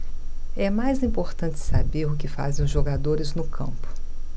é mais importante saber o que fazem os jogadores no campo